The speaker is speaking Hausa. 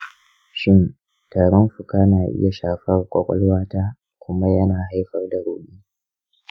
shin tarin fuka na iya shafar kwakwalwa ta kuma yana haifar da ruɗe?